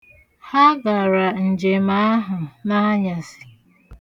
Ha gara njem ahụ n'anyasị.